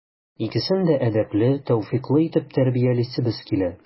Икесен дә әдәпле, тәүфыйклы итеп тәрбиялисебез килә.